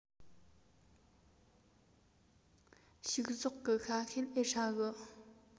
ཕྱུགས ཟོག གི ཤ ཤེད ཨེ ཧྲ གི